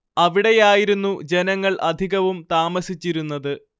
അവിടെയായിരുന്നു ജനങ്ങൾ അധികവും താമസിച്ചിരുന്നത്